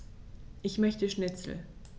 Ich möchte Schnitzel.